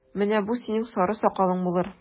Менә бу синең сары сакалың булыр!